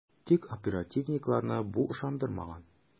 Тик оперативникларны бу ышандырмаган ..